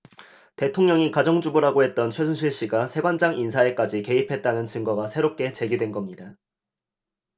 대통령이 가정주부라고 했던 최순실씨가 세관장 인사에까지 개입했다는 증거가 새롭게 제기된겁니다